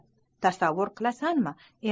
tasavvur qilasanmi